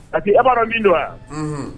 Parce que e b'a dɔn min don wa unhun